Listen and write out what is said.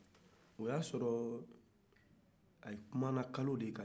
o y'a sɔrɔ u kumana kalo de kan